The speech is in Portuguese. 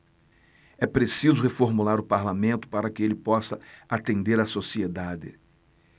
é preciso reformular o parlamento para que ele possa atender a sociedade